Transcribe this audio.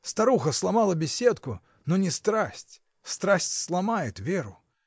Старуха сломала беседку, но не страсть: страсть сломает Веру.